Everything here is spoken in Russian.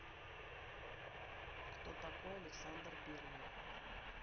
кто такой александр первый